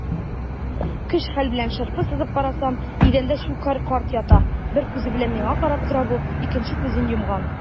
Көч-хәл белән шырпы сызып карасам - идәндә Щукарь карт ята, бер күзе белән миңа карап тора бу, икенче күзен йомган.